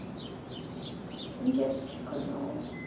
детский канал